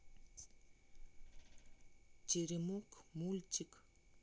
теремок мультик